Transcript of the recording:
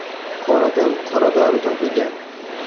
qonidan qoradori topilgan